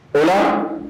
Ɔwɔ